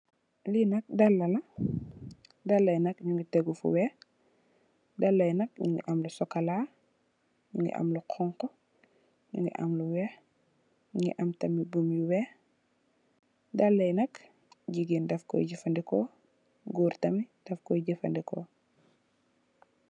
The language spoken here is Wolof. Li nak dalla la dalla yi nu nge téggu fu weex dalla yi nak nu ngi am lu sokola am lu xonku nu ngi am lu weex dalla yi nak jigéen defcoy jeffadico goor tamit def coy jeffadico.